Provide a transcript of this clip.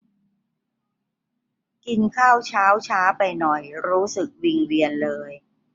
กินข้าวเช้าช้าไปหน่อยรู้สึกวิงเวียนเลย